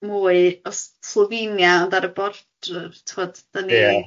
mwy o Slofenia ond ar y border tibod dan ni... Ia.